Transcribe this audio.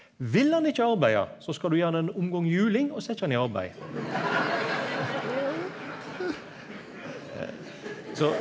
vil han ikkje arbeide så skal du gje han ein omgang juling og setje han i arbeid så.